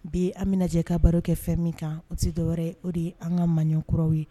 Bi an bɛna jɛ ka baro kɛ fɛn min kan o tɛ dɔwɛrɛ ye an ka maɲonkuraw ye